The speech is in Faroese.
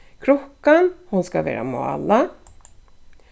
krukkan hon skal vera málað